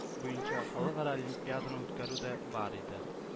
Буенча халыкара олипиаданы үткәрү дә бар иде